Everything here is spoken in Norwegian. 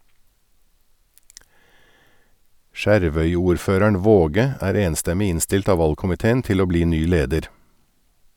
Skjervøy-ordføreren Waage er enstemmig innstilt av valgkomiteen til å bli ny leder.